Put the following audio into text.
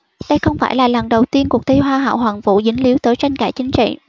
đây không phải là lần đầu tiên cuộc thi hoa hậu hoàn vũ dính líu tới tranh cãi chính trị